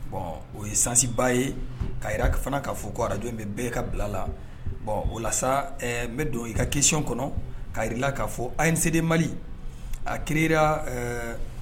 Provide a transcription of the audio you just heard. Bɔn o ye sansiba ye ka fana kaa fɔ koraj bɛ bɛɛ ka bila la bɔn walasa n bɛ don i ka kiyon kɔnɔ k kaa jirala k kaa fɔ a inse mali a ki